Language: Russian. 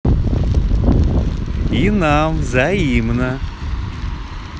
и нам взаимно